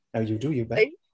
Now you do your bit .